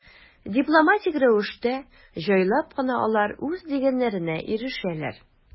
Дипломатик рәвештә, җайлап кына алар үз дигәннәренә ирешәләр.